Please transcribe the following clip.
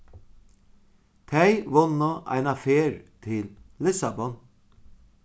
tey vunnu eina ferð til lissabon